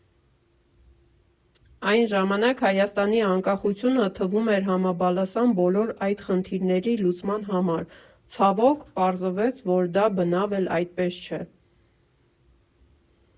Այն ժամանակ Հայաստանի անկախությունը թվում էր համաբալասան բոլոր այդ խնդիրների լուծման համար, ցավոք, պարզվեց, որ դա բնավ էլ այդպես չէ։